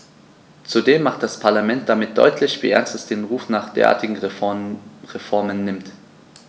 Zudem macht das Parlament damit deutlich, wie ernst es den Ruf nach derartigen Reformen nimmt.